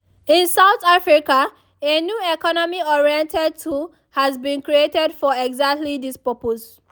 In South Africa, a new economy-oriented tool has been created for exactly this purpose.